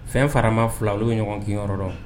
Fɛn farama fila olu ɲɔgɔn'iyɔrɔ dɔn